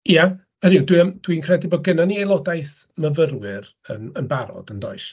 Ia, hynny yw dwi'n credu bod gynnon ni aelodaeth myfyrwyr yn yn barod yndoes?